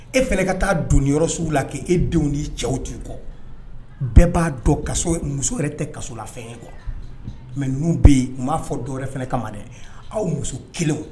E fana ka taa doniyɔrɔso la kɛ e denw de cɛw kɔ bɛɛ b'a dɔn ka muso yɛrɛ tɛ kaso lafɛn ye kɔ mɛ bɛ yen u b'a fɔ dɔw yɛrɛ fana kama ma dɛ aw muso kelen